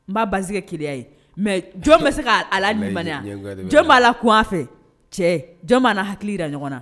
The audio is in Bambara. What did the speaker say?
N b'a base kɛ keleya ye mais jɔn bɛ se kaa l a la limaniya walahi ɲɛngoya de be na jɔn b'a la kun a fɛ cɛ jɔn b'a na hakili yira ɲɔgɔn na